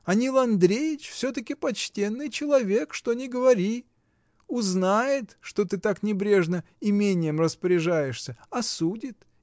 А Нил Андреич все-таки почтенный человек, что ни говори: узнает, что ты так небрежно имением распоряжаешься, — осудит!